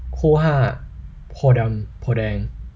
คู่ห้าโพธิ์ดำโพธิ์แดง